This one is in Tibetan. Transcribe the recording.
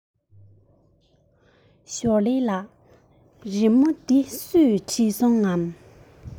ཞོའོ ལིའི ལགས རི མོ འདི སུས བྲིས སོང ངས